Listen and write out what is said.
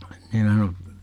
niin minä sanoin